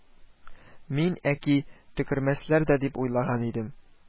Мин, әки, төкермәсләр дә дип уйлаган идем